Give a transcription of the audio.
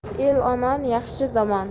el omon yaxshi zamon